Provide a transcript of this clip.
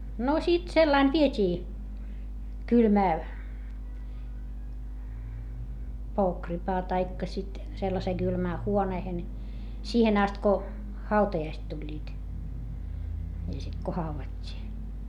no sitten sellainen vietiin kylmään pokripaan tai sitten sellaiseen kylmään huoneeseen siihen asti kun hautajaiset tulivat ja sitten kun haudattiin